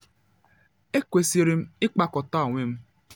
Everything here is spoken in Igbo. Ekwesịrị m ịkpakọta onwe m.”